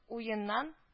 Уеннан